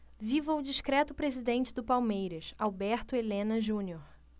viva o discreto presidente do palmeiras alberto helena junior